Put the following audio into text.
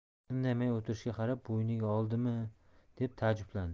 indamay o'tirishiga qarab bo'yniga oldimi deb taajjublandi